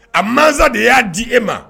A mansa de y'a di e ma